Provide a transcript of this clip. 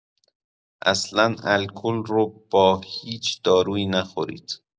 اصلا الکل رو با هیچ دارویی نخورید.